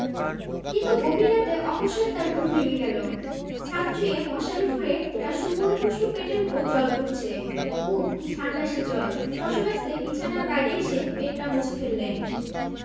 কিন্তু গভীর রাতে অকস্মাৎ তাঁর ঘুম ভেঙ্গে গেল ছাদ চুঁইয়ে মশারি ফুঁড়ে তাঁর সুপরিপুষ্ট পেটের উপর জল পড়চে উঃ কি ঠাণ্ডা সে জল শশব্যস্তে বিছানার বাইরে এসে পেটটা মুছে ফেললেন